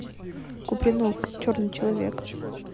купринов черный человечек